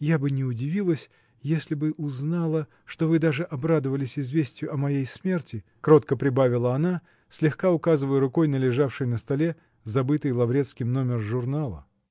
я бы не удивилась, если бы узнала, что вы даже обрадовались известию о моей смерти, -- кротко прибавила она, слегка указывая рукой на лежавший на столе, забытый Лаврецким нумер журнала.